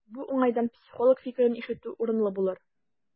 Бу уңайдан психолог фикерен ишетү урынлы булыр.